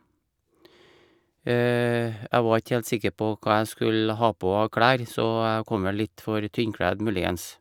Jeg var ikke helt sikker på hva jeg skulle ha på av klær, så jeg kom vel litt for tynnkledd, muligens.